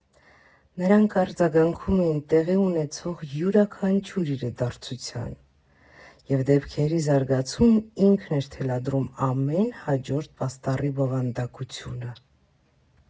Նրանք արձագանքում էին տեղի ունեցող յուրաքանչյուր իրադարձության և դեպքերի զարգացումն ինքն էր թելադրում ամեն հաջորդ պաստառի բովանդակությունը։